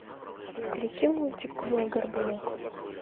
включи мультик конек горбунок